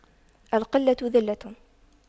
القلة ذلة